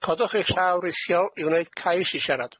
Codwch eich llaw rithiol i wneud cais i siarad.